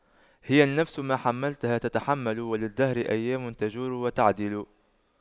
هي النفس ما حَمَّلْتَها تتحمل وللدهر أيام تجور وتَعْدِلُ